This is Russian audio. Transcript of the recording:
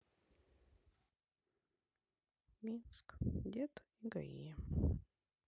минск дед и гаи